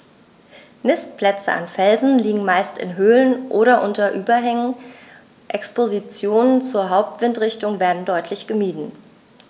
Nistplätze an Felsen liegen meist in Höhlungen oder unter Überhängen, Expositionen zur Hauptwindrichtung werden deutlich gemieden.